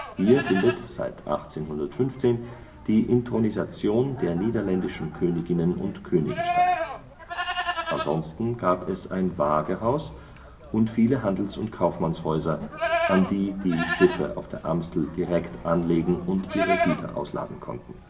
Hier findet seit 1815 die Inthronisation der niederländischen Königinnen und Könige statt. Ansonsten gab es ein Waagehaus und viele Handels - und Kaufmannshäuser, an die die Schiffe auf der Amstel direkt anlegen und ihre Güter ausladen konnten